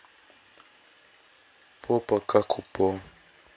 попа как у по